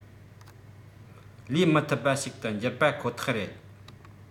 ལས མི ཐུབ པ ཞིག ཏུ གྱུར པ ཁོ ཐག རེད